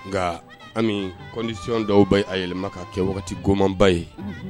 Nka ami kɔnsion dɔw b' a yɛlɛma ka kɛ wagati komanba ye